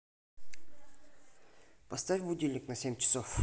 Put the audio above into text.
поставить будильник на семь часов